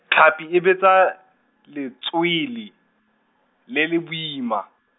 Tlhapi o betsa, letswele, le le boima.